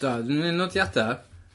Do, dwi'n neud nodiada.